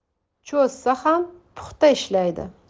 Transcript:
cho'zsa ham puxta ishlaydi